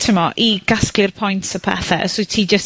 t'mo', i gasglu'r points a pethe, os wyt ti jyst...